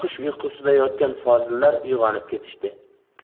uyqusida yotgan fozillar uyg'onib ketishdi